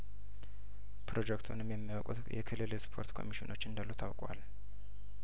ፕሮጀክቱንም የማያውቁ የክልል ስፖርት ኮሚሽ ኖች እንዳሉ ታውቋል